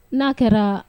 Na'a kɛra